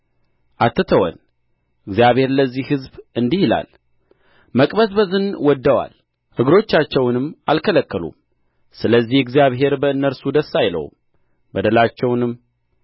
አትተወን እግዚአብሔር ለዚህ ሕዝብ እንዲህ ይላል መቅበዝበዝን ወድደዋል እግራቸውንም አልከለከሉም ስለዚህ እግዚአብሔር በእነርሱ ደስ አይለውም በደላቸውንም